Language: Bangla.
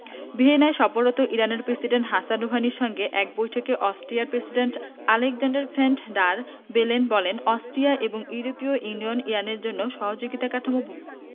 ভিয়েনায় সফররত ইরানের প্রেসিডেন্ট হাসান রুহানির সঙ্গে এক বৈঠকে অস্ট্রিয়ার president Alexander Van der Bellen বলেন অস্ট্রিয়া এবং ইউরোপীয় ইউনিয়ন ইরানের জন্য সহযোগিতা কাঠামো